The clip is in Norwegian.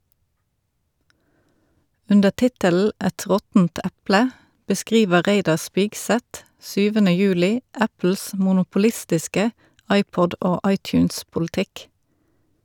Under tittelen "Et råttent eple" beskriver Reidar Spigseth 7. juli Apples monopolistiske iPod- og iTunes-politikk.